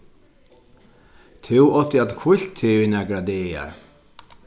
tú átti at hvílt teg í nakrar dagar